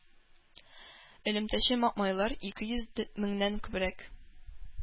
Элемтәче маэмайлар ике йөз меңнән күбрәк